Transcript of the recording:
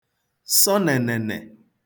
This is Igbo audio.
sọ nènènè